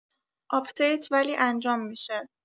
آپدیت ولی انجام می‌شه